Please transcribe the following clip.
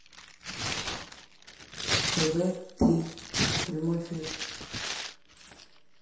тв три прямой эфир